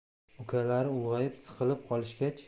ukalari ulg'ayib siqilib qolishgach